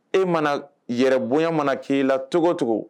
E mana yɛrɛ bonya mana k'i la cogocogo